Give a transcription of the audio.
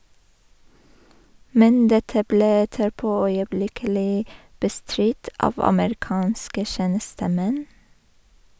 Men dette ble etterpå øyeblikkelig bestridt av amerikanske tjenestemenn.